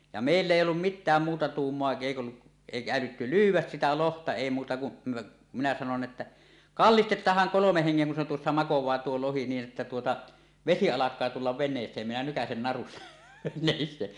ja meillä ei ollut mitään muuta tuumaa ei ollut eikä älytty lyödä sitä lohta ei muuta kuin minä sanoin että kallistetaanhan kolmen hengen kun se tuossa makaa tuo lohi niin että tuota vesi alkaa tulla veneeseen minä nykäisen narusta näin se